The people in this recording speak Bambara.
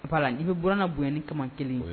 ' la i bɛ buranna bon ni kamalenman kelen ye